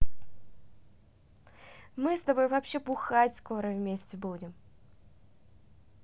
мы с тобой вообще бухать скоро вместе будем